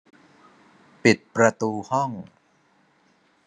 ปิดประตูห้อง